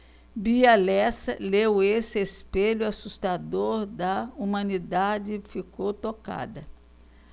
bia lessa leu esse espelho assustador da humanidade e ficou tocada